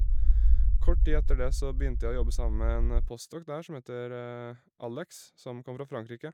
Kort tid etter det så begynte jeg å jobbe sammen med en postdoc der som heter Alex, som kommer fra Frankrike.